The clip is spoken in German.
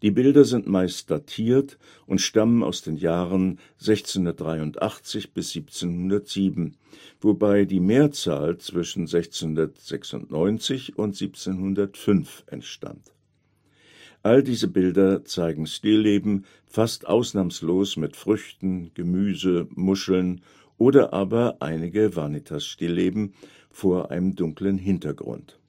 Bilder sind meist datiert und stammen aus den Jahren 1683 bis 1707, wobei die Mehrzahl zwischen 1696 und 1705 entstand. All diese Bilder zeigen Stillleben, fast ausnahmslos mit Früchten, Gemüse, Muscheln oder aber einige Vanitas-Stillleben vor einem dunklen Hintergrund